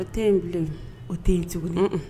O tɛ in bulon o tɛ yen tugu nɔ